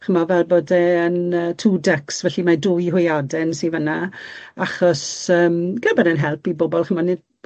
Ch'mo' fel bod e yn yy two ducks felly mae dwy hwyaden sy fan 'na achos yym bod e'n help i bobol ch'mo' nid